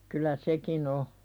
kyllä sekin on